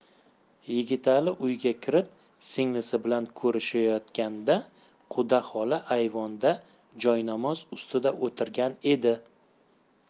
yigitali uyga kirib singlisi bilan ko'rishayotganda quda xola ayvonda joynamoz ustida o'tirgan edi